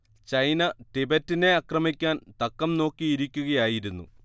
China ടിബറ്റിനെ ആക്രമിക്കാൻ തക്കം നോക്കിയിരിക്കുകയായിരുന്നു